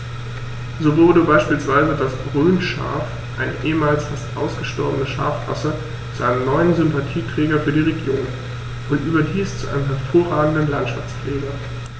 So wurde beispielsweise das Rhönschaf, eine ehemals fast ausgestorbene Schafrasse, zu einem neuen Sympathieträger für die Region – und überdies zu einem hervorragenden Landschaftspfleger.